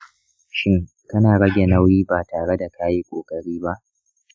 shin kana rage nauyi ba tare da ka yi ƙoƙari ba?